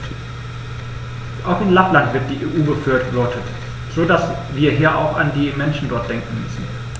Auch in Lappland wird die EU befürwortet, so dass wir hier auch an die Menschen dort denken müssen.